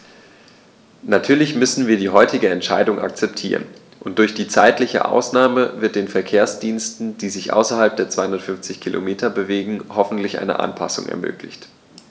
Natürlich müssen wir die heutige Entscheidung akzeptieren, und durch die zeitliche Ausnahme wird den Verkehrsdiensten, die sich außerhalb der 250 Kilometer bewegen, hoffentlich eine Anpassung ermöglicht.